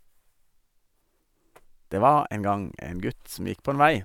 Det var en gang en gutt som gikk på en vei.